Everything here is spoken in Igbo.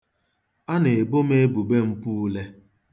A na-ebo m ebubo mpụ ule.